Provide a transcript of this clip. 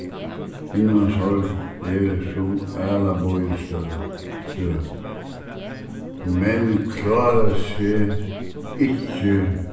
er sum menn klára seg ikki